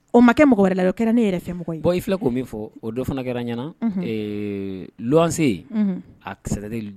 O makɛ mɔgɔ wɛrɛ la kɛra ne yɛrɛ fɛnmɔgɔ bɔ i filɛ tun min fɔ o don fana kɛra ɲɛnaana wanse yen asɛ